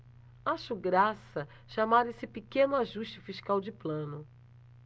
acho graça chamar esse pequeno ajuste fiscal de plano